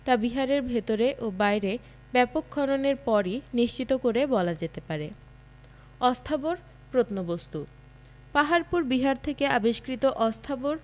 তা বিহারের ভেতরে ও বাইরে ব্যাপক খননের পরই নিশ্চিত করে বলা যেতে পারে অস্থাবর প্রত্নবস্তু: পাহাড়পুর বিহার থেকে আবিষ্কৃত অস্থাবর